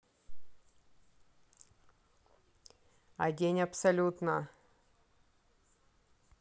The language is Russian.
а день абсолютно